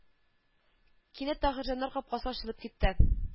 Кинәт Таһирҗаннар капкасы ачылып китте